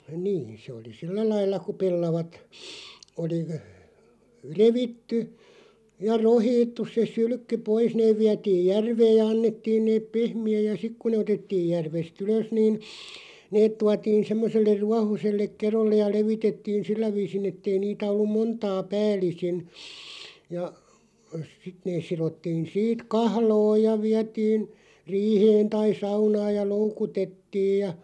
niin se oli sillä lailla kun pellavat oli - revitty ja rokhittu se sylkky pois ne vietiin järveen ja annettiin ne pehmitä ja sitten kun ne otettiin järvestä ylös niin ne tuotiin semmoiselle ruohoiselle kedolle ja levitettiin sillä viisin että ei niitä ollut montaa päällisin ja sitten ne sidottiin siitä kahloon ja vietiin riiheen tai saunaan ja loukutettiin ja